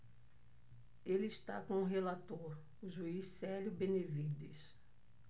ele está com o relator o juiz célio benevides